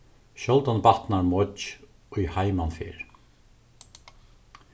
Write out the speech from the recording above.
sjáldan batnar moyggj ið heiman fer